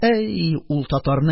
Әй, ул татарның